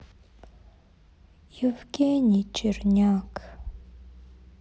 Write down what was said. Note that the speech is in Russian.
евгений черняк